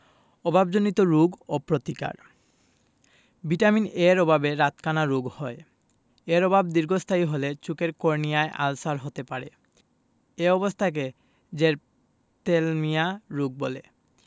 অভাবজনিত রোগ ও প্রতিকার ভিটামিন A এর অভাবে রাতকানা রোগ হয় এর অভাব দীর্ঘস্থায়ী হলে চোখের কর্নিয়ায় আলসার হতে পারে এ অবস্থাকে জেরপ্থ্যালমিয়া রোগ বলে